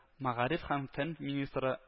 Магариф һәм фән министры